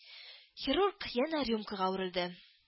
Хирург янә рюмкага үрелде: